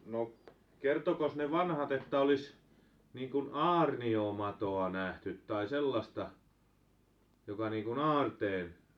no kertoikos ne vanhat että olisi niin kuin aarniomatoa nähty tai sellaista joka niin kuin aarteen